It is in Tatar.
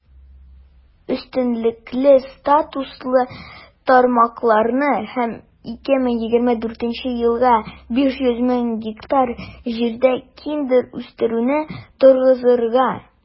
Өстенлекле статуслы тармакларны һәм 2024 елга 500 мең гектар җирдә киндер үстерүне торгызырга.